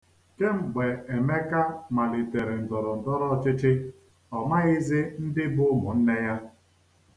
Kemgbe Emeka malitere ndọrọndọrọọchịchị o maghizi ndi bu umunne ya.